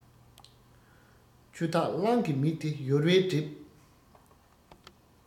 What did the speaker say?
ཆུ འཐག གླང གི མིག དེ ཡོལ བས བསྒྲིབས